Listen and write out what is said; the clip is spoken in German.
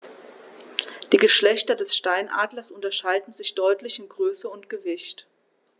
Die Geschlechter des Steinadlers unterscheiden sich deutlich in Größe und Gewicht.